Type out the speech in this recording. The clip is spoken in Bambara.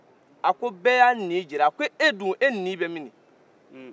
a ko bɛɛ y'a nin jiira a ko e dun e nin bɛ minin